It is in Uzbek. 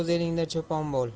o'z elingda cho'pon bo'l